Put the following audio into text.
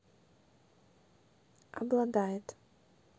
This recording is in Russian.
обладает